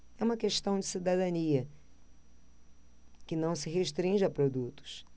é uma questão de cidadania que não se restringe a produtos